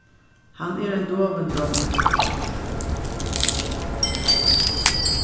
hann er ein dovin drongur